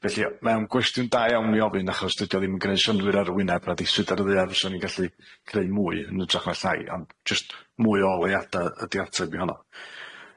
Felly mae o'n gwestiwn da iawn i ofyn achos dydi o ddim yn gneud synnwyr ar wyneb na di? Sud ar y ddaear fyswn i'n gallu creu mwy yn ytrach na llai, ond jyst mwy o leiada ydi ateb i honno.